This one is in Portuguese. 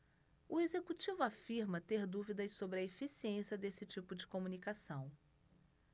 o executivo afirma ter dúvidas sobre a eficiência desse tipo de comunicação